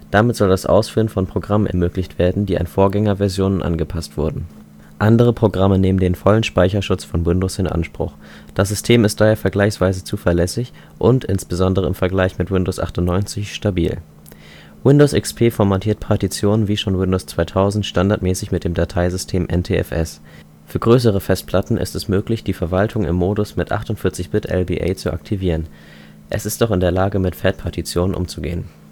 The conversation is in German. Damit soll das Ausführen von Programmen ermöglicht werden, die an Vorgängerversionen angepasst wurden. Andere Programme nehmen den vollen Speicherschutz von Windows in Anspruch. Das System ist daher vergleichsweise zuverlässig und, insbesondere im Vergleich mit Windows 98, stabil. Windows XP formatiert Partitionen, wie schon Windows 2000, standardmäßig mit dem Dateisystem NTFS. Für große Festplatten ist es möglich, die Verwaltung im Modus mit 48-bit-LBA zu aktivieren. Es ist auch in der Lage, mit FAT-Partitionen umzugehen